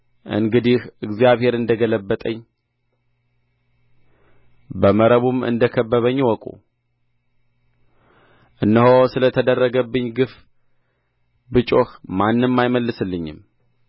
እንግዲህ እግዚአብሔር እንደ ገለበጠኝ በመረቡም እንደ ከበበኝ እወቁ እነሆ ስለ ተደረገብኝ ግፍ ብጮኽ ማንም አይመልስልኝም